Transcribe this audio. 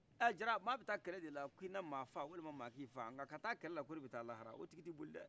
ɛ jara ma bi taa kɛlɛ de la k'i na ma faa walima ma faa nka ka taa kɛlɛ la ko ne bi ta laharao tigi ti boli dɛ